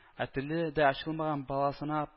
Ә теле дә ачылмаган баласына